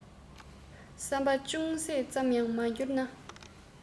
བསམ པ ཅུང ཟད ཙམ ཡང མ འགྱུར ན